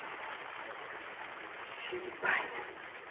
sid binance